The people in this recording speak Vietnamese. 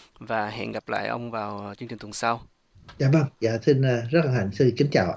và hẹn gặp lại ông vào tuần sau dạ vâng dạ xin rất hân hạnh xin kính chào ạ